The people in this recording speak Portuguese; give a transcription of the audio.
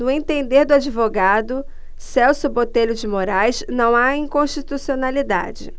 no entender do advogado celso botelho de moraes não há inconstitucionalidade